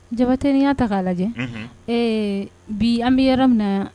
Jabatya ta k'a lajɛ ee bi an bɛ yɔrɔ minna